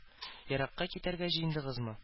Еракка китәргә җыендыгызмы?